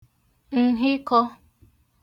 ǹhịkọ̄